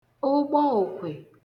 ụgbọòkwè